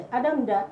Adam Dia